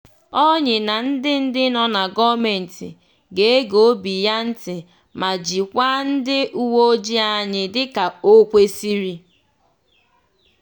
Ònyé ná ndị ndị nọ na gọọmentị ga-ege obi ya ntị ma jikwaa ndị ụwe ojii anyị dịka o kwesiri?